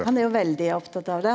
han er jo veldig opptatt av det.